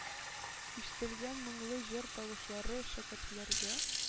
Ишетелгән моңлы җыр тавышлары шәкертләргә